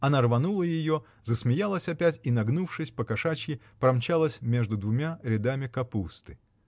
Она рванула ее, засмеялась опять и, нагнувшись, по-кошачьи промчалась между двумя рядами капусты.